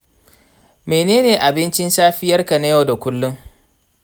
menene abincin safiyarka na yau da kullum?